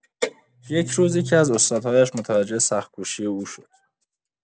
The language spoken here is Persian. یک روز، یکی‌از استادهایش متوجه سخت‌کوشی او شد.